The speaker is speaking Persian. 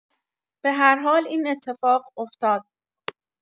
به‌هرحال این اتفاق افتاد.